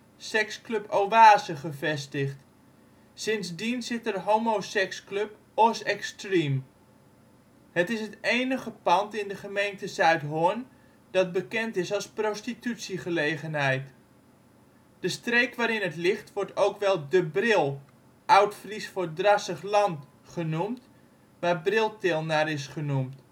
seksclub ' Oase ' gevestigd, sindsdien zit er homoseksclub ' Ozz-Extreme '. Het is het enige pand in de gemeente Zuidhorn dat bekend is als prostitutiegelegenheid. Gabrug gezien vanaf Noordhornertolhek aan overzijde van het Van Starkenborghkanaal De streek waarin het ligt wordt ook wel De Bril (oud-Fries voor drassig land) genoemd (waar de Briltil naar is genoemd